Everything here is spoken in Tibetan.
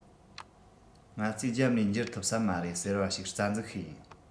ང ཚོས རྒྱབ ནས འགྱུར ཐུབ ས མ རེད ཟེར བ ཞིག རྩ འཛུགས ཤིག ཡིན